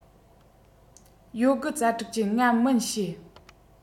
ཡོད རྒུ རྩལ སྤྲུགས ཀྱིས ང མིན བཤད